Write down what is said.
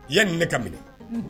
I ya nin ne ka minɛ